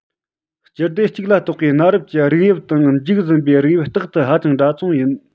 སྤྱི སྡེ གཅིག ལ གཏོགས པའི གནའ རབས ཀྱི རིགས དབྱིབས དང འཇིག ཟིན པའི རིགས དབྱིབས རྟག ཏུ ཧ ཅང འདྲ མཚུངས ཡིན